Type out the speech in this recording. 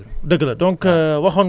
waw ñun waa agriculture